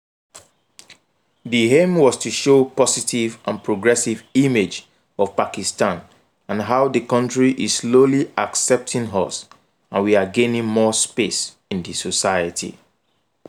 The aim was to show positive and progressive image of Pakistan and how the country is slowly accepting us and we are gaining more space in the society.